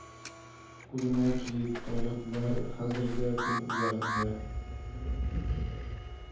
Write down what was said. Күренә ки, таләпләр хәзер дә көн үзәгендә